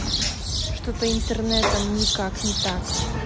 что ты интернетом никак не так